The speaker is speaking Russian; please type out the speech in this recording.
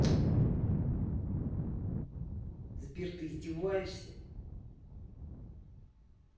сбер ты издеваешься